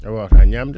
awawata ñamde